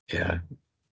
Ia.